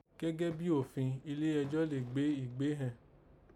Gẹ́gẹ́ bí òfin, ilé ẹjọ́ lè gbé ìgbéhẹ̀n